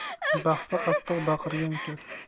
bahsda qattiq baqirgan yutadi